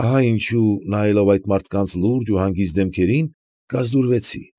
Ահա ինչու, նայելով այդ մարդկանց լուրջ ու հանգիստ դեմքերին, կազդուրվեցի։